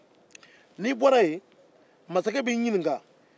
n'i bɔra yen masakɛ b'i ɲininka